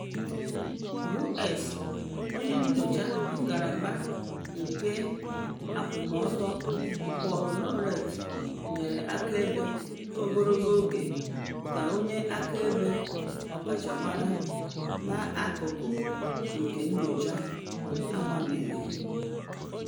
U.S. Onye Nyocha Ngalaba nke Akwụmụtọ Paul Rowlett nyere akaebe ogologo oge ka onye akaebe ọkachamara n’akụkụ nke nyocha amamịghe.